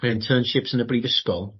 mae internships yn y brifysgol